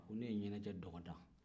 ko ne ye ɲɛnajɛ dɔgɔda